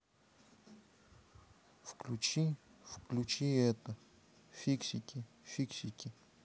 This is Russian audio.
включи включи это фиксики фиксики